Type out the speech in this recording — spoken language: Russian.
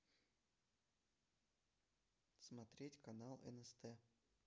смотреть канал нст